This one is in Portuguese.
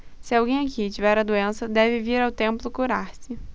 se alguém aqui tiver a doença deve vir ao templo curar-se